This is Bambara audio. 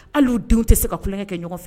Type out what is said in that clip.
Hali denw tɛ se ka tulonkɛ kɛ ɲɔgɔn fɛ